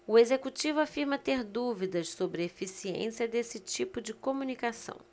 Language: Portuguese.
o executivo afirma ter dúvidas sobre a eficiência desse tipo de comunicação